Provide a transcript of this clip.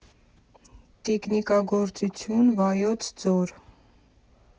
Տիկնիկագործություն, Վայոց ձոր։